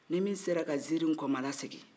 ni min sera ka ziiri kɔmalasegi